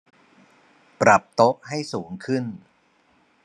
ปรับโต๊ะให้สูงขึ้ง